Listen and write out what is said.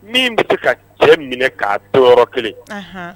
Min bɛ se ka cɛ minɛ k'a to yɔrɔ 1